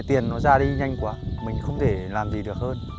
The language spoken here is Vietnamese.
tiền nó ra đi nhanh quá mình không thể làm gì được hơn